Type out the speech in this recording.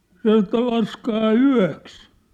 sanoi että laskekaa yöksi